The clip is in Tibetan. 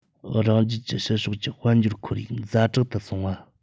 རང རྒྱལ གྱི ཕྱི ཕྱོགས ཀྱི དཔལ འབྱོར ཁོར ཡུག ཛ དྲག ཏུ སོང བ